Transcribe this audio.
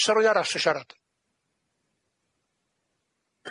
O's 'na rywun arall isio siarad?